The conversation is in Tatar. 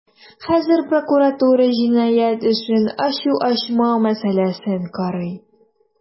Хәзер прокуратура җинаять эшен ачу-ачмау мәсьәләсен карый.